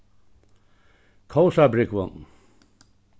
kósarbrúgvin